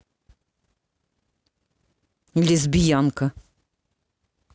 лесбиянка